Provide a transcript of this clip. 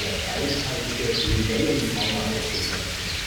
reichhaltige Libellenfauna ausgezeichnet